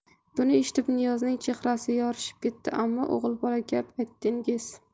buni eshitib niyozning chehrasi yorishib ketdi ammo o'g'ilbola gap aytdingiz